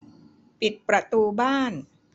ปิดประตูบ้าน